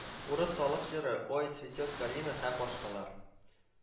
Урыс халык җыры “ой, цветет калина” һәм башкалар